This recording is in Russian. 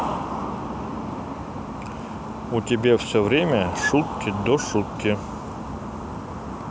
у тебя все время шутки до шутки